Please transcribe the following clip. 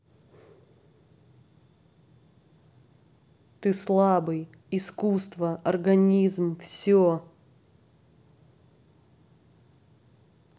ты слабый искусство организм все